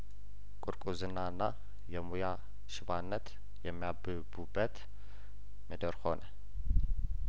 ቁርቁ ዝናና የሙያሽባነት የሚያብቡ በትምድር ሆነ